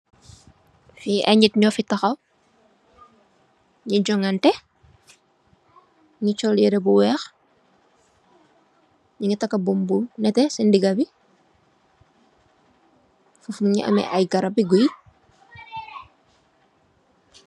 Fi ay nit noo fi tahaw, nye jogantè, nye chol yirè bu weeh. Nungi taka bum-bum bu nètè ci ndigabi. Fofu mungi ameh ay garab bi bouyè.